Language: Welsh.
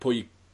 Pwy